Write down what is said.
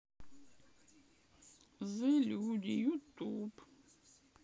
зэ люди ютуб